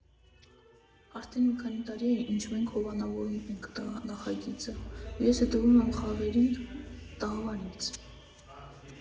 Արդեն մի քանի տարի է, ինչ մենք հովանավորում ենք նախագիծը, ու ես հետևում եմ խաղերին տաղավարից։